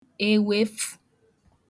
ewefhù